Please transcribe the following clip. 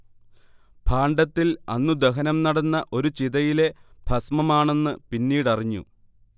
ഭാണ്ഡത്തിൽ അന്നു ദഹനം നടന്ന ഒരു ചിതയിലെ ഭസ്മമാണെന്ന് പിന്നീടറിഞ്ഞു